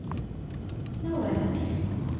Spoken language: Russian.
новая амелька